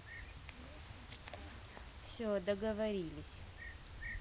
все договорились